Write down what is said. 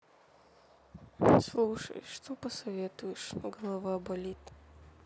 слушай что посоветуешь голова болит